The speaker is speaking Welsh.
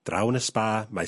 draw yn y sba mae...